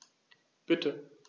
Bitte.